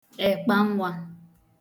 èkpanwā